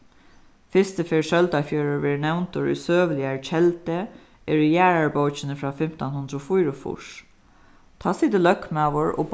fyrstu ferð søldarfjørður verður nevndur í søguligari keldu er í jarðarbókini frá fimtan hundrað og fýraogfýrs tá situr løgmaður og